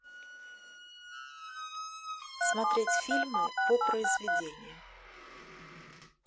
смотреть фильмы по произведениям